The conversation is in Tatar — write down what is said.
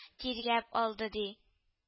Тиргәп алды, ди: